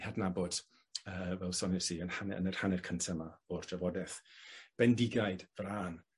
eu hadnabod yy fel sonies i yn hanne- yn yr hanner cynta 'ma o'r drafodeth, bendigaid frân